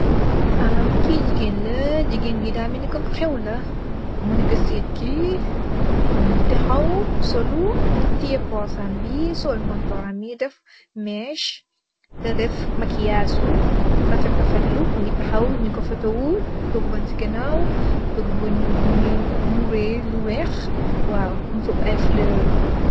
Kii jigéen la, jigéen bi daa melni xew la, moo neek sëët bi. Mu ngi taxaw, solum, tiye poosam bi, sol montoor am bi. Mu ngi def mees, def makiyaasu, rafet rafet lu, taxaw. Ñuñ ko foto, toogu baañ si ganaaw . Toogu buñ muree lu weex, waaw. Am foo fu fuloor.